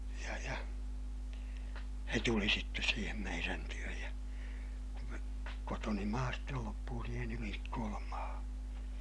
ja ja se tuli sitten siihen meidän tykö ja kotoni maa sitten loppui siihen Ylinikkolan maahan